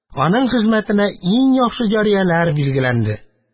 Аның хезмәтенә иң яхшы җарияләр билгеләнде.